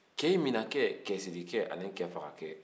kɛ minɛ kɛ kɛ siri kɛ ani kɛ faga kɛ